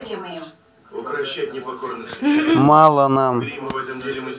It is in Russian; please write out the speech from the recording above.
мало нам